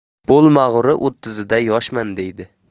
bo'lmag'uri o'ttizida yoshman deydi